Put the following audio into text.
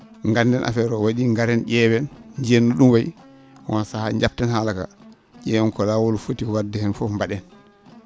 ngannden affaire oo wa?ii ngaren ?eewen njiyen no ?um wayi oon sahaa jabten haala kaa ?eewen ko laawol foti wa?de heen fof mba?en